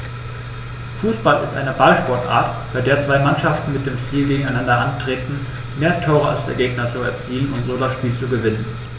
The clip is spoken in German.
Fußball ist eine Ballsportart, bei der zwei Mannschaften mit dem Ziel gegeneinander antreten, mehr Tore als der Gegner zu erzielen und so das Spiel zu gewinnen.